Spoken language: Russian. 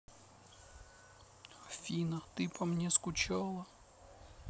афина ты по мне скучала